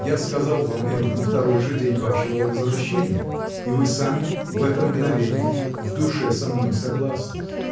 Я сказал вам это на второй же день вашего возвращения, и вы сами, в это мгновенье, в душе со мной согласны.